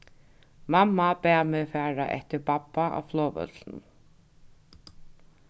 mamma bað meg fara eftir babba á flogvøllinum